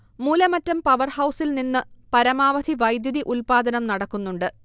മൂലമറ്റം പവർഹൗസിൽ നിന്നു പരമാവധി വൈദ്യുതി ഉൽപാദനം നടക്കുന്നുണ്ട്